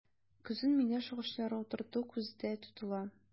Көзен миләш агачлары утырту күздә тотыла.